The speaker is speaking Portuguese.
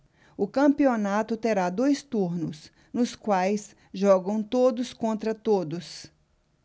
o campeonato terá dois turnos nos quais jogam todos contra todos